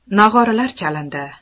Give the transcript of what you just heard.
nog'oralar chalindi